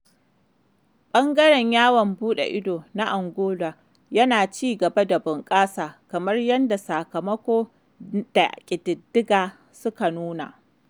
Ɓangaren yawon buɗe ido na Angola yana ci gaba da bunƙasa, kamar yadda sakamako da ƙididdiga suka nuna.